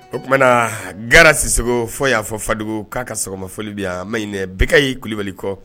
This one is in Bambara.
O tumaumana na gasise fɔ y'a fɔ fadugu k'a ka sɔgɔma fɔlibi yan a maɲinɛ bɛka y'i kulubali kɔ